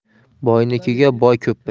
boynikiga boy ko'ppak